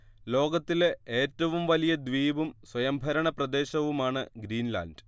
ലോകത്തിലെ ഏറ്റവും വലിയ ദ്വീപും സ്വയംഭരണ പ്രദേശവുമാണ് ഗ്രീൻലാൻഡ്